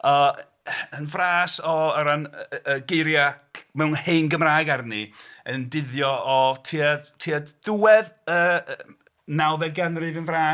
Yy yn fras o... o ran y geiriau c- mewn hen Gymraeg arni, yn dyddio o tua diwedd y nawfed ganrif yn fras.